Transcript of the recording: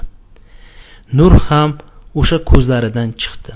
nur xam usha ko'zlardan chikdi